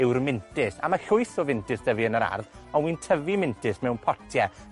yw'r mintys. A ma' llwyth o fintys 'dy fi yn yr ardd, ond wi'n tyfu mintys mewn potie.